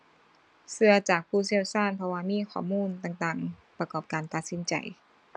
เชื่อจากผู้เชี่ยวชาญ เพราะว่ามีข้อมูลต่างต่างประกอบการตัดสินใจ